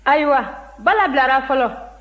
ayiwa bala bilara fɔlɔ